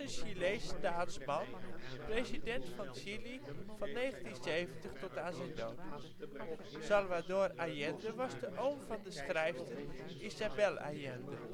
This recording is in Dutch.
Chileens staatsman, president van Chili van 1970 tot aan zijn dood. Salvador Allende was de oom van de schrijfster Isabel Allende